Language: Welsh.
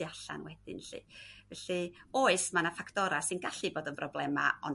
tu allan wedyn 'llu. Felly oes ma' 'na ffactora' sy'n gallu bod yn broblema' ond